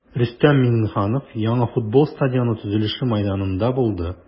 Рөстәм Миңнеханов яңа футбол стадионы төзелеше мәйданында булды.